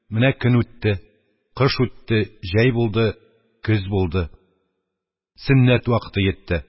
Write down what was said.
Менә көн үтте, кыш үтте, җәй булды, көз булды – сөннәт вакыты йитте.